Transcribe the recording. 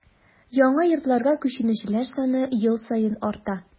Яңа йортларга күченүчеләр саны ел саен арта.